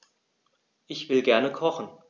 Ich will gerne kochen.